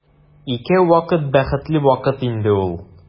Икәү вакыт бәхетле вакыт инде ул.